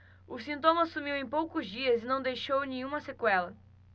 o sintoma sumiu em poucos dias e não deixou nenhuma sequela